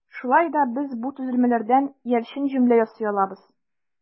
Шулай да без бу төзелмәләрдән иярчен җөмлә ясый алабыз.